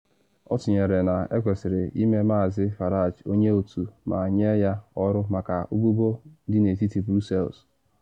Ọ tụnyere na ekwesịrị ịme Maazị Farage onye otu ma nye ya ọrụ maka ụbụbọ dị n’etiti Brussels.